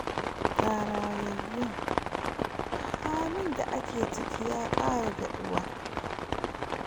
Ga rayayyun, halin da ake ciki ya kara daɗuwa.